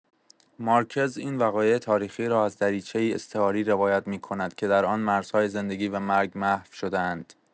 مارکز این وقایع تاریخی را از دریچه‌ای استعاری روایت می‌کند که در آن مرزهای زندگی و مرگ محو شده‌اند.